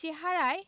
চেহারায়